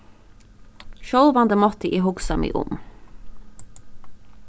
sjálvandi mátti eg hugsa meg um